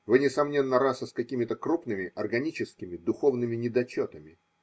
Вы, несомненно, раса с какими-то крупными органическими духовными недочетами.